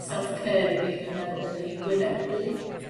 self care i mi dwi'n meddwl ydi gwynebu